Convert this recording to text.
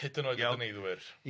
Hyd yn oed y dyneiddwyr?